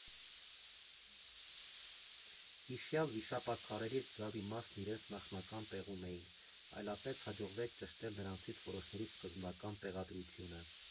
Հիշյալ վիշապաքարերի զգալի մասն իրենց նախնական տեղում էին, այլապես հաջողվեց ճշտել նրանցից որոշների սկզբնական տեղադրությունը։